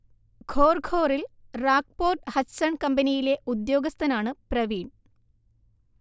Khor ഖോറിൽ RAK port Hutchison കമ്പനിയിലെ ഉദ്യോഗസ്ഥനാണ് പ്രവീൺ